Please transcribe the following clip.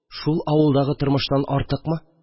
Шул авылдагы тормыштан артыкмы